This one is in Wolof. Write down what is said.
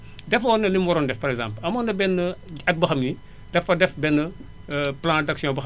defoon na li mu waroon a def par exemple amoon na benn at boo xam ne dafa def benn plan d' action boo xam ne nii